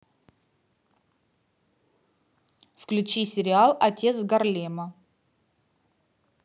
включи сериал отец гарлема